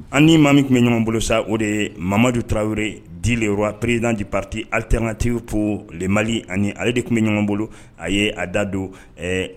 Ani maa min tun bɛ ɲɔgɔn bolo sa o de ye mamadu taraweleye di deyɔrɔ ppirilnandi pariti aliter kati ko mali ani ale de tun bɛ ɲɔgɔn bolo a ye a da don ɛɛ